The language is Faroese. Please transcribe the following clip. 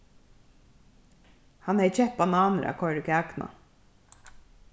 hann hevði keypt bananir at koyra í kakuna